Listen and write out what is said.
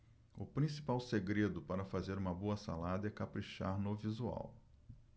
o principal segredo para fazer uma boa salada é caprichar no visual